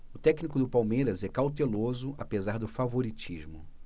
o técnico do palmeiras é cauteloso apesar do favoritismo